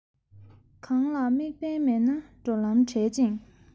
གང ལ དམིགས འབེན མེད ན འགྲོ ལམ བྲལ ཅིང